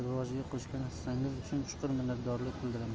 rivojiga qo'shgan hissangiz uchun chuqur minnatdorlik bildiraman